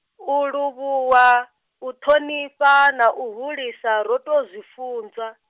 u livhuwa, u ṱhonifha na u hulisa ro tou zwi funzwa.